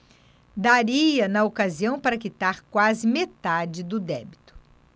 daria na ocasião para quitar quase metade do débito